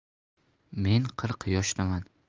men qirq yoshdaman